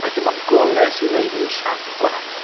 A dim ond golau sy'n gwneud e'n siap gwahanol.